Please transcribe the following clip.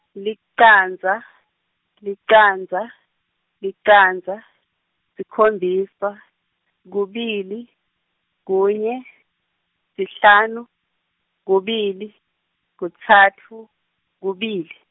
licandza, licandza, licandza, sikhombisa, kubili, kunye, sihlanu, kubili, kutsatfu, kubili.